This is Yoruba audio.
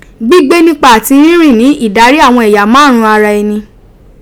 Gbigbe nipa ati rinrin ni idari awon eya marun un ara eni.